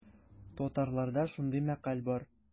Татарларда шундый мәкаль бар.